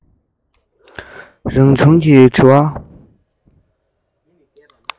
རང བྱུང གི འདྲི བ